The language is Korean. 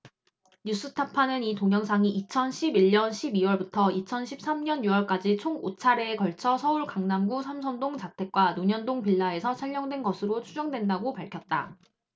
뉴스타파는 이 동영상이 이천 십 일 년 십 이 월부터 이천 십 삼 년 유 월까지 총 오 차례에 걸쳐 서울 강남구 삼성동 자택과 논현동 빌라에서 촬영된 것으로 추정된다고 밝혔다